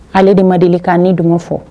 Ale de ma deli k'a ni dun fɔ